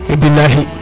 bilahi